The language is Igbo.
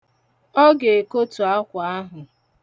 Ọ ga-ekotu akwa ahụ